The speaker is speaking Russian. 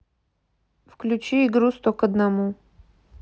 включи игру сто к одному